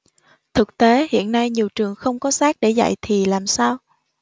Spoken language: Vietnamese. thực tế hiện nay nhiều trường không có xác để dạy thì làm sao